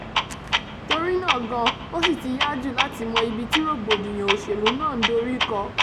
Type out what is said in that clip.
Torí náà gan, ó sì ti yá jù láti mọ ibi tí rògbòdìyàn òṣèlú náà ń dorí kọ.